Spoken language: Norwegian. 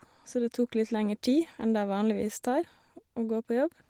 Så det tok litt lengre tid enn det vanligvis tar å gå på jobb.